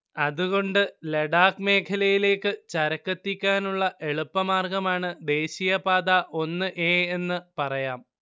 അതുകൊണ്ട് ലഡാക് മേഖലയിലേക്ക് ചരക്കെത്തിക്കാനുള്ള എളുപ്പമാർഗ്ഗമാണ് ദേശീയപാത ഒന്ന് എ എന്ന് പറയാം